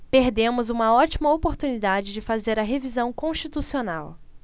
perdemos uma ótima oportunidade de fazer a revisão constitucional